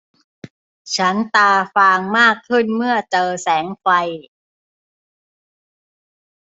ฉันตาฟางมากขึ้นเมื่อเจอแสงไฟ